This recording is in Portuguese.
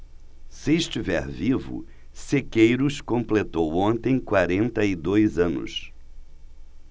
se estiver vivo sequeiros completou ontem quarenta e dois anos